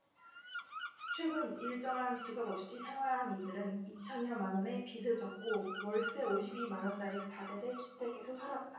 최근 일정한 직업 없이 생활한 이들은 이 천여만원의 빚을 졌고 월세 오십 이 만원짜리 다세대 주택에서 살았다